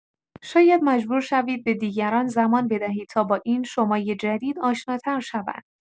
شاید مجبور شوید به دیگران زمان بدهید تا با این شمای جدید آشناتر شوند.